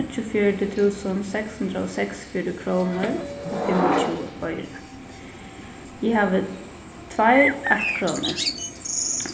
níggjuogfjøruti túsund seks hundrað og seksogfjøruti krónur og fimmogtjúgu oyru eg havi tveir eittkrónur